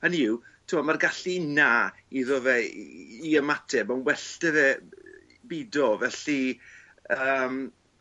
Hynny yw t'wod ma'r gallu 'na iddo fe i i i ymateb on' well 'dy fe bido felly yym